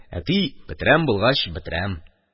Әти: «Бетерәм булгач бетерәм».